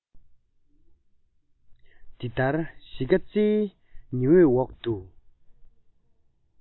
འདི ལྟར གཞིས ཀ རྩེའི ཉི འོད འོག ཏུ